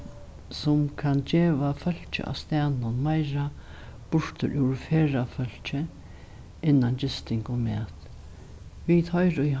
sum kann geva fólki á staðnum meira burtur úr ferðafólki innan gisting og mat vit hoyra í